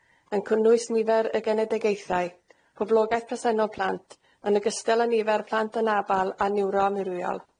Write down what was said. yn cynnwys nifer y genedigaethau, poblogaeth presennol plant, yn ogystal â nifer plant anabal a niwroamwyrwiol.